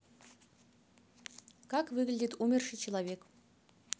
как выглядит умерший человек